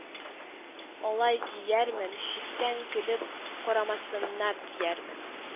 Алай, диярмен, читтән көлеп карамасыннар, диярмен